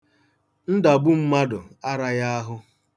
Ndagbu mmadụ araghị ahụ.